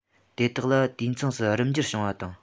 དེ དག ལ དུས མཚུངས སུ རིམ འགྱུར བྱུང བ དང